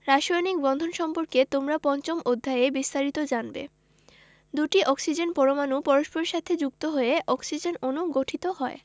রাসায়নিক বন্ধন সম্পর্কে তোমরা পঞ্চম অধ্যায়ে বিস্তারিত জানবে দুটি অক্সিজেন পরমাণু পরস্পরের সাথে যুক্ত হয়ে অক্সিজেন অণু গঠিত হয়